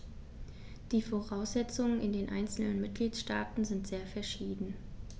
Die Voraussetzungen in den einzelnen Mitgliedstaaten sind sehr verschieden.